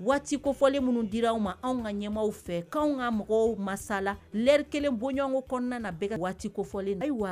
Waati kofɔlen minnu dira aw ma anw ka ɲɛma fɛ' ka mɔgɔw masala lɛre kelen bɔɲɔgɔnko kɔnɔna na bɛ ka waati kofɔoli